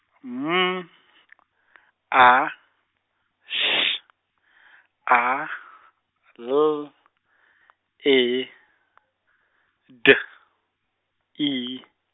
M A Š A L E D I.